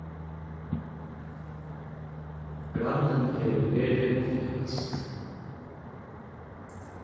grannin hevur verið og ferðast